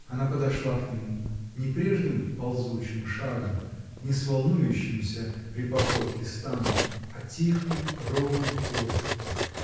Она подошла к нему, не прежним ползучим шагом, не с волнующимся при походке станом, а тихой, ровной поступью.